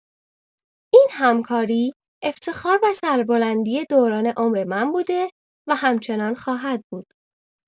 این همکاری افتخار و سربلندی دوران عمر من بوده و همچنان خواهد بود.